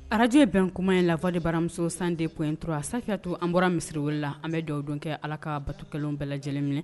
Araj ye bɛn kuma in lafa de baramuso san de p inur a sa'a to an bɔra misisiriw la an bɛ dɔw don kɛ ala ka batu kelen bɛɛ lajɛlen minɛ